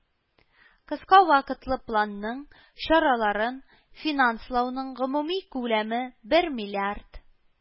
Кыска вакытлы планның чараларын финанслауның гомуми күләме бер миллиард